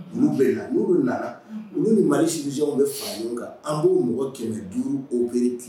Olu bɛ la n olu nana olu malisisiw bɛ faamu kan an b'u mɔgɔ kɛmɛ duuru o bere ten